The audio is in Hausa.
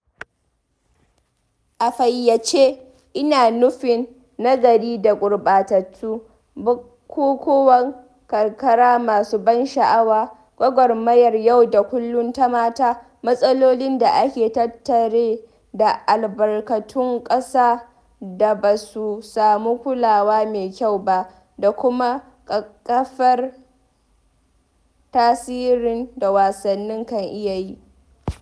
A fayyace, ina nufin nagari da gurɓatattu: bukukuwan karkara masu ban sha'awa, gwagwarmayar yau da kullum ta mata, matsalolin da ke tattare da albarkatun ƙasa da basu samu kulawa mai kyau ba, da kuma ƙaƙƙarfan tasirin da wasanni kan iya yi..